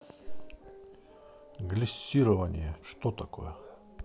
глиссирование что такое